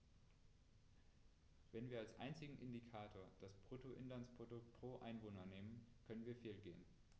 Wenn wir als einzigen Indikator das Bruttoinlandsprodukt pro Einwohner nehmen, können wir fehlgehen.